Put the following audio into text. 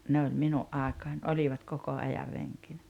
ne oli minun aikaani olivat koko ajan renkinä